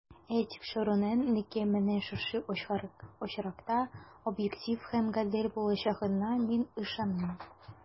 Ә тикшерүнең нәкъ менә шушы очракта объектив һәм гадел булачагына мин ышанам.